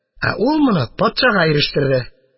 Ул моны патшага ирештерде.